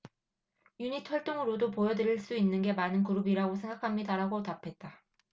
유닛 활동으로도 보여드릴 수 있는 게 많은 그룹이라고 생각합니다라고 답했다